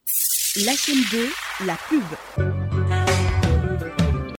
Laki bɛ laki bɔ